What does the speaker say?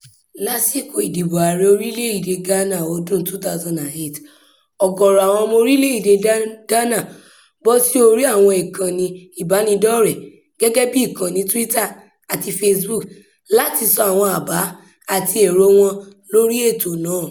Lásìkò ìdìbò Ààrẹ orílẹ̀-èdè Ghana ọdún 2008,ọ̀gọ̀ọ̀rọ̀ àwọn ọmọ orílẹ̀ èdè Ghana bọ́ sí orí àwọn ìkànnì ìbáraẹnidọ́rẹ̀ẹ́ gẹ́gẹ́ bí ìkànnì Twitter àti Facebook láti sọ àwọn àbá àti àwọn èrò wọn lórí ètò náà.